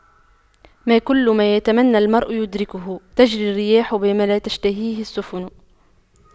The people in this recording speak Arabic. ما كل ما يتمنى المرء يدركه تجرى الرياح بما لا تشتهي السفن